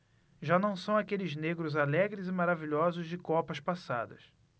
já não são aqueles negros alegres e maravilhosos de copas passadas